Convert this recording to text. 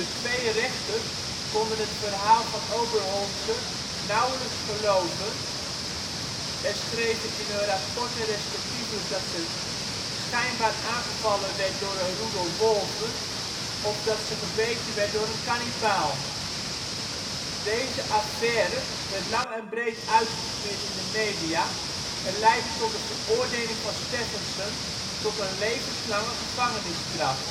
twee rechters konden het verhaal van Oberholtzer nauwelijks geloven en schreven in hun rapporten respectievelijk dat ze " schijnbaar aangevallen werd door een roedel wolven " of dat ze " gebeten werd door een kannibaal ". Deze affaire werd lang en breed uitgesmeerd in de media en leidde tot de veroordeling van Stephenson tot een levenslange gevangenisstraf